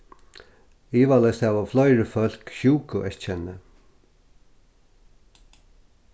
ivaleyst hava fleiri fólk sjúkueyðkenni